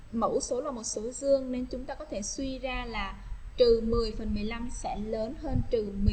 mẫu số là một số dương nên chúng ta có thể suy ra là phần lớn hơn